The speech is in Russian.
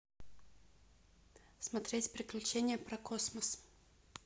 смотреть приключения про космос